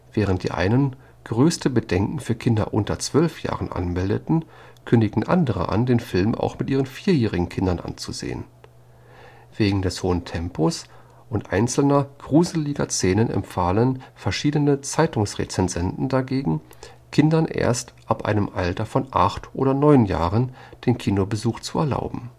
Während die einen größte Bedenken für Kinder unter zwölf Jahren anmeldeten, kündigten andere an, den Film auch mit ihrem vierjährigen Kind anzusehen. Wegen des hohen Tempos und einzelner gruseliger Szenen empfahlen verschiedene Zeitungsrezensenten dagegen, Kindern erst ab einem Alter von acht oder neun Jahren den Kinobesuch zu erlauben